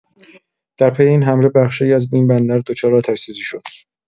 در پی این حمله بخش‌هایی از این بندر دچار آتش‌سوزی شد.